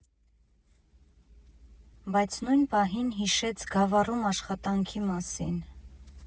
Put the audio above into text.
Բայց նույն պահին հիշեց Գավառում աշխատանքի մասին։